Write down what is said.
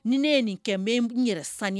Ni ne ye nin kɛ bɛ yɛrɛ sani ye